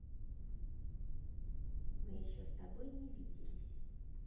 мы еще с тобой не виделись